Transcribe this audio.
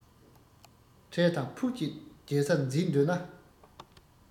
འཕྲལ དང ཕུགས ཀྱི རྒྱལ ས འཛིན འདོད ན